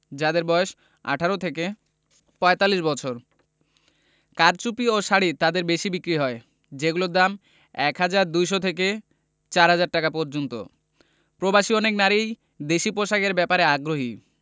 যাঁদের বয়স ১৮ থেকে ৪৫ বছর কারচুপি ও শাড়ি তাঁদের বেশি বিক্রি হয় যেগুলোর দাম ১ হাজার ২০০ থেকে ৪ হাজার টাকা পর্যন্ত প্রবাসী অনেক নারীই দেশি পোশাকের ব্যাপারে আগ্রহী